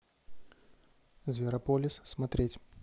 зверополис смотреть